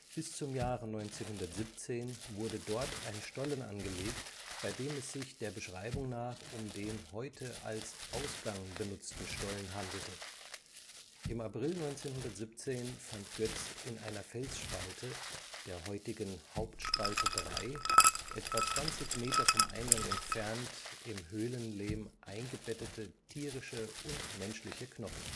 Bis zum Jahre 1917 wurde dort ein Stollen angelegt, bei dem es sich der Beschreibung nach um den heute als Ausgang benutzten Stollen handelte. Im April 1917 fand Goetz in einer Felsspalte, der heutigen Hauptspalte 3, etwa 20 Meter vom Eingang entfernt, im Höhlenlehm eingebettete tierische und menschliche Knochen